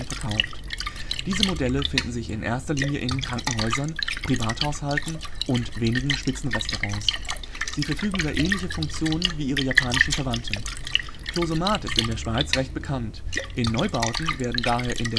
Diese Modelle finden sich in erster Linie in Krankenhäusern, Privathaushalten und wenigen Spitzenrestaurants. Sie verfügen über ähnliche Funktionen wie ihre japanischen Verwandten. closomat ist in der Schweiz recht bekannt, in Neubauten werden daher in